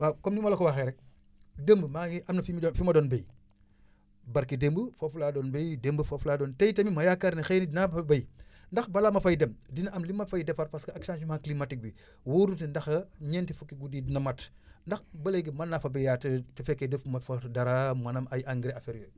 waaw comme ni ma la ko waxee rek démb maa ngi am na fi ma doon fi ma doon bay barki démb foofu laa doon bay démb foofu laa doon tey tamit ma yaakaar ne xëy na dinaa fa bay ndax bala ma fay dem dina am li ma fay defar parce que ak changement climatique bi wóorul ndax ñeent fukki guddi yi dina mat ndax ba léegi mën naa fa bayaat su fekkee defuma foofu dara maanaam ay engrais affaire yooyu